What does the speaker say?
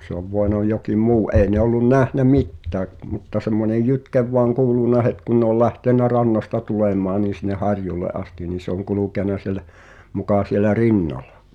se on voinut jokin muu ei ne ollut nähnyt mitään mutta semmoinen jytke vain kuulunut heti kun ne oli lähtenyt rannasta tulemaan niin sinne harjulle asti niin se on kulkenut siellä muka siellä rinnalla